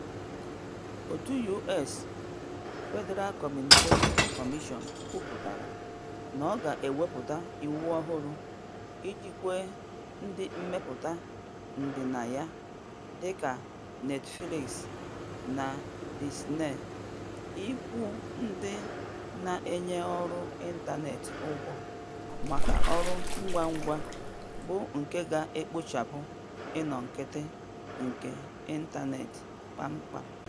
Òtù US Federal Communications Commission kwupụtara na ọ ga-ewepụta iwu ọhụrụ iji kwe ndị mmepụta ndịnaya, dịka Netflix na Disney, ịkwụ ndị na-enye ọrụ ịntaneetị ụgwọ maka ọrụ ngwa ngwa, bụ nke ga-ekpochapụ ịnọ nkịtị nke ịntaneetị kpamkpam.